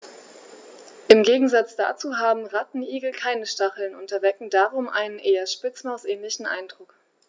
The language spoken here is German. Im Gegensatz dazu haben Rattenigel keine Stacheln und erwecken darum einen eher Spitzmaus-ähnlichen Eindruck.